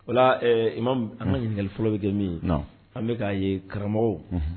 Ola an ka ɲininkali fɔlɔ bɛ kɛ min an bɛka k ye karamɔgɔ